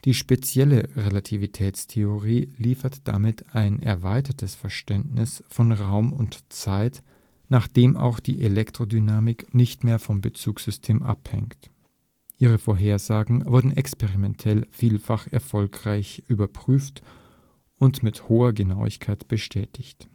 spezielle Relativitätstheorie liefert damit ein erweitertes Verständnis von Raum und Zeit, nach dem auch die Elektrodynamik nicht mehr vom Bezugssystem abhängt. Ihre Vorhersagen wurden experimentell vielfach erfolgreich überprüft und mit hoher Genauigkeit bestätigt